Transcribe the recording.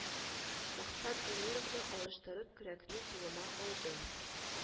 Максат гомәровны алыштырып көрәкне кулыма алдым